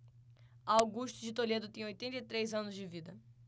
augusto de toledo tem oitenta e três anos de vida